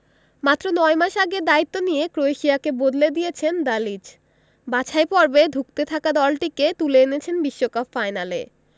মাত্র ৯ মাস আগে দায়িত্ব নিয়ে ক্রোয়েশিয়াকে বদলে দিয়েছেন দালিচ বাছাই পর্বে ধুঁকতে থাকা দলটিকে তুলে এনেছেন বিশ্বকাপ ফাইনালে